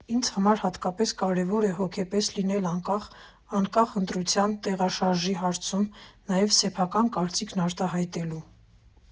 Ինձ համար հատկապես կարևոր է հոգեպես լինել անկախ, անկախ ընտրության, տեղաշարժի հարցում, նաև սեփական կարծիքն արտահայտելու։